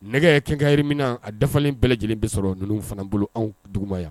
Nɛgɛ kɛkanymina a dafa bɛɛ lajɛlen bɛ sɔrɔ ninnu fana bolo anw dugumaya